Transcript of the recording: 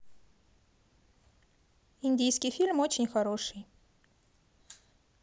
индийский фильм очень хороший